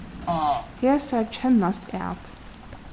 hesar kennast at